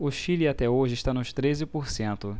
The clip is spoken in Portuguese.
o chile até hoje está nos treze por cento